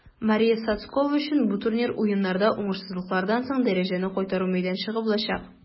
Мария Сотскова өчен бу турнир Уеннарда уңышсызлыклардан соң дәрәҗәне кайтару мәйданчыгы булачак.